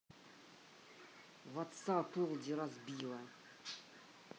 whatsapp олди разбила